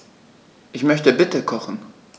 Ich möchte bitte kochen.